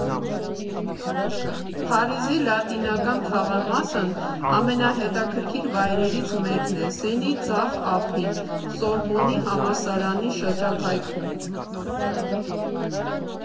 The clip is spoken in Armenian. Փարիզի Լատինական թաղամասն ամենահետաքրքիր վայրերից մեկն է, Սենի ձախ ափին, Սորբոնի համալսարանի շրջակայքում։